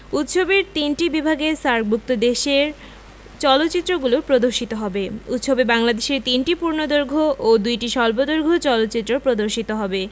উৎসবের তিনটি বিভাগে সার্কভুক্ত দেশের চলচ্চিত্রগুলো প্রদর্শিত হবে উৎসবে বাংলাদেশের ৩টি পূর্ণদৈর্ঘ্য ও ২টি স্বল্পদৈর্ঘ্য চলচ্চিত্র প্রদর্শিত হবে